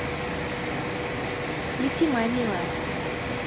лети моя милая